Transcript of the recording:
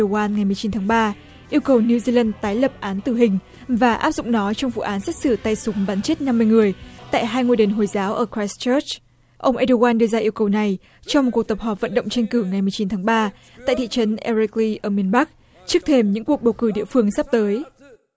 oăn ngày mười chín tháng ba yêu cầu niu di lân tái lập án tử hình và áp dụng nó trong vụ án xét xử tay súng bắn chết năm mươi người tại hai ngôi đền hồi giáo ở que chớt ông ê đô oăn đưa ra yêu cầu này trong một cuộc tập hợp vận động tranh cử ngày mùng chín tháng ba tại thị trấn e quy li ở miền bắc trước thềm những cuộc bầu cử địa phương sắp tới